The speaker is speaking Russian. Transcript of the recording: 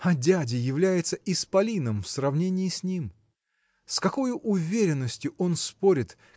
а дядя является исполином в сравнении с ним. С какою уверенностью он спорит